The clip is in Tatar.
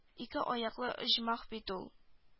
Ике аяклы оҗмах бит ул